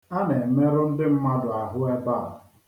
A na-emerụ ndị mmadụ ahụ ebe a.